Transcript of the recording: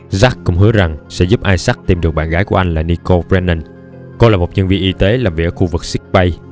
zach cũng hứa rằng sẽ giúp isaac tìm được bạn gái của anh là nicole brennan cô là một nhân viên y tế làm việc ở khu vực sick bay